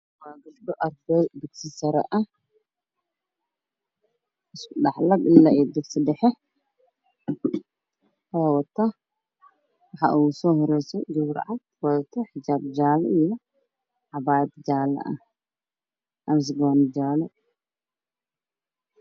Waa gabdho arday oo dugsi sare iyo dugsi dhexe ah. Waxaa ugu soo horeeyo waxay wadataa xijaab jaale ah, saako jaale ah.